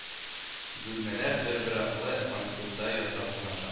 Бүлмәләр бер-бер артлы - анфилада ясап урнаша